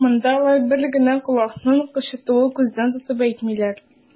Монда алар бер генә колакның кычытуын күздә тотып әйтмиләр.